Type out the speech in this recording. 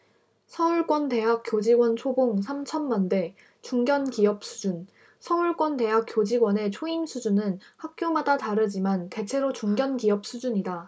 서울권 대학 교직원 초봉 삼 천만원대 중견기업 수준서울권 대학 교직원의 초임 수준은 학교마다 다르지만 대체로 중견기업 수준이다